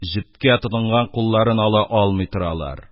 Җепкә тотынган кулларын ала алмый торалар.